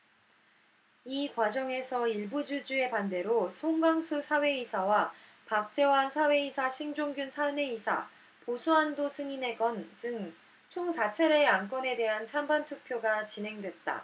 이 과정에서 일부 주주의 반대로 송광수 사외이사와 박재완 사외이사 신종균 사내이사 이사 보수한도 승인의 건 등 총 사 차례의 안건에 대한 찬반 투표가 진행됐다